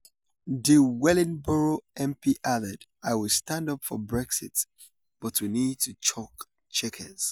The Wellingborough MP added: 'I will stand up for Brexit but we need to chuck Chequers.'